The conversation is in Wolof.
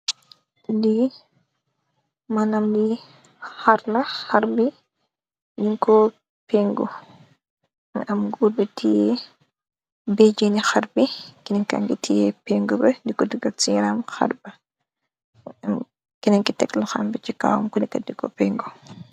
Di mënam li xarla xar bi ñiñ ko pengu am gurbu te beejeni xar bi kinkangi tiye pengu be diko tukat sieram xarb k te xamb ci kawm kko pengo.